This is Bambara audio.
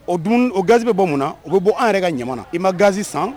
O dumuni o gasi bɛ bɔ mun na? O bɛ bɔ an yɛrɛ ka ɲaman na. I ma gasi san